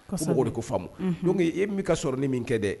Ka sumaworo de ko fa dɔn e m bɛ ka sɔrɔ ni min kɛ dɛ